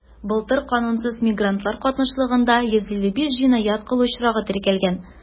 Былтыр канунсыз мигрантлар катнашлыгында 155 җинаять кылу очрагы теркәлгән.